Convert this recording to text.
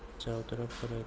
ko'rsa javdirab qaraydi